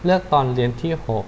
เลือกตอนเรียนที่หก